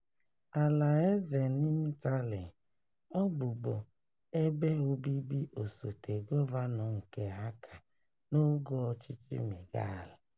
Ala Eze Nimtali, ọ bụbu ebe obibi Osote Gọvanọ nke Dhaka n'oge ọchịchị Mighal.